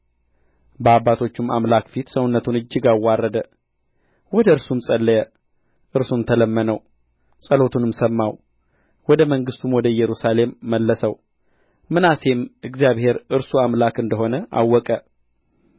በአባቶቹም አምላክ ፊት ሰውነቱን እጅግ አዋረደ ወደ እርሱም ጸለየ እርሱም ተለመነው ጸሎቱንም ሰማው ወደ መንግሥቱም ወደ ኢየሩሳሌም መለሰው ምናሴም እግዚአብሔር እርሱ አምላክ እንደ ሆነ አወቀ